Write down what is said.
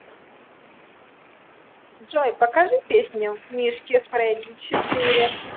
джой покажи песню мишки фредди четыре